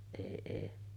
ei ei